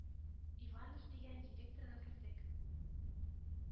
Иванов дигән директорга кердек.